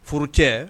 Furu cɛ